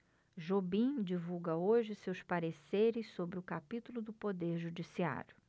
jobim divulga hoje seus pareceres sobre o capítulo do poder judiciário